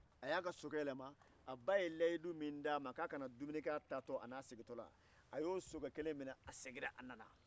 a ya ka sokɛ yɛlɛma a seginna a nana